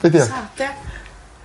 Be' 'di o? Sad ia?